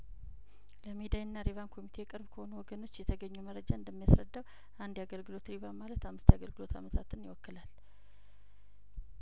ለሜዳይና ሪቫን ኮሚቴ ቅርብ ከሆኑ ወገኖች የተገኘው መረጃ እንደሚያስረዳው አንድ የአገልግሎት ሪቫን ማለት አምስት የአገልግሎት አመታትን ይወክላል